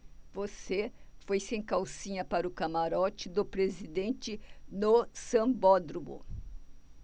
você foi sem calcinha para o camarote do presidente no sambódromo